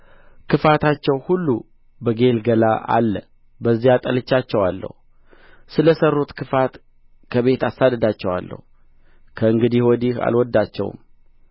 ክፋታቸው ሁሉ በጌልገላ አለ በዚያ ጠልቻቸዋለሁ ስለ ሠሩት ክፋት ከቤቴ አሳድዳቸዋለሁ ከእንግዲህ ወዲያ አልወድዳቸውም